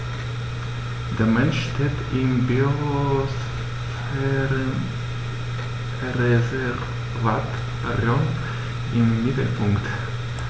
Der Mensch steht im Biosphärenreservat Rhön im Mittelpunkt.